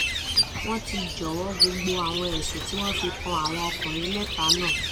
Wọ́n ti jọ̀wọ́ gbogbo àwọn ẹ̀sùn tí wọ́n fi kan àwọn ọkùnrin mẹ́ta náà.